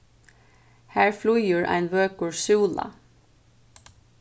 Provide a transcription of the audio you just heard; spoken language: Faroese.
har flýgur ein vøkur súla